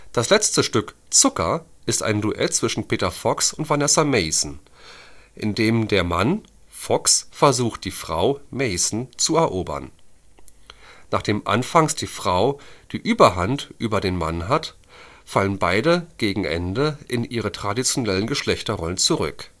Das letzte Stück Zucker ist ein Duett zwischen Peter Fox und Vanessa Mason, in dem der Mann (Fox) versucht die Frau (Mason) zu erobern. Nachdem anfangs die Frau die Überhand über den Mann hat, fallen beide gegen Ende in ihre traditionellen Geschlechterrollen zurück